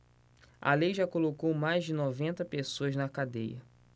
a lei já colocou mais de noventa pessoas na cadeia